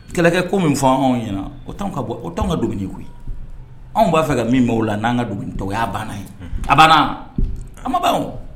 Kɛlɛkɛ ko min fɔ anw anw ɲɛna o' ka bɔ o' ka dugu koyi anw b'a fɛ ka min bɛ' o la n'an ka tɔgɔya banna ye a banna an ma'